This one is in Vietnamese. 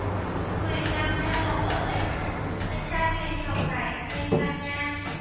huyền đang theo học ở anh anh trai huyền học tại tây ban nha